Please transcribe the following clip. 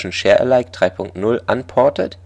Share Alike 3 Punkt 0 Unported